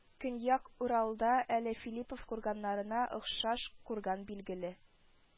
Көньяк Уралда әле Филиппов курганнарына охшаш курган билгеле: